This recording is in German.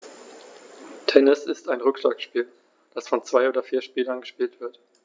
Tennis ist ein Rückschlagspiel, das von zwei oder vier Spielern gespielt wird.